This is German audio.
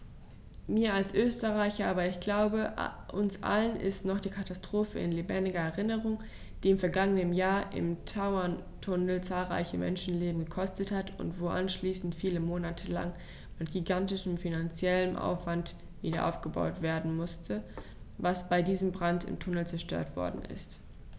Mir als Österreicher, aber ich glaube, uns allen ist noch die Katastrophe in lebendiger Erinnerung, die im vergangenen Jahr im Tauerntunnel zahlreiche Menschenleben gekostet hat und wo anschließend viele Monate lang mit gigantischem finanziellem Aufwand wiederaufgebaut werden musste, was bei diesem Brand im Tunnel zerstört worden ist.